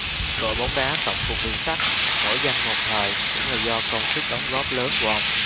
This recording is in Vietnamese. đội bóng đá tổng cục đường sắt nổi danh một thời cũng là do công sức đóng góp lớn của ông